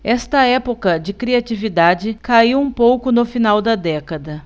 esta época de criatividade caiu um pouco no final da década